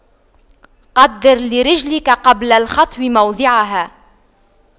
قَدِّرْ لِرِجْلِكَ قبل الخطو موضعها